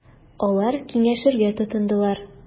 Алар киңәшергә тотындылар.